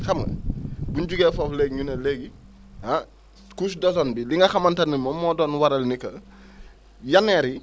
xam nga bu ñu jugee foofu léegi ñu ne léegi ah couche d' ozone bi li nga xamante ne moom moo doon waral ni que jenneer yi